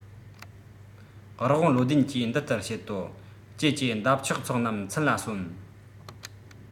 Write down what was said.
རི བོང བློ ལྡན གྱིས འདི ལྟར བཤད དོ ཀྱེ ཀྱེ འདབ ཆགས ཚོགས རྣམས ཚུར ལ གསོན